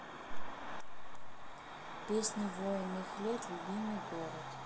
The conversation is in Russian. песни военных лет любимый город